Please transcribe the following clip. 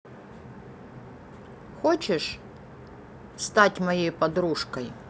хочешь стать моей подружкой